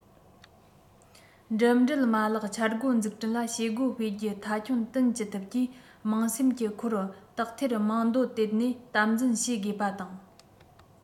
འགྲིམ འགྲུལ མ ལག འཆར འགོད འཛུགས སྐྲུན ལ བྱེད སྒོ སྤེལ རྒྱུ མཐའ འཁྱོངས བསྟུན ཅི ཐུབ ཀྱིས དམངས སེམས ཀྱི འཁོར དག ཐེར དམངས འདོད དེད ནས དམ འཛིན བྱེད དགོས པ དང